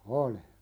oli